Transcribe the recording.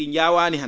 njaawaani han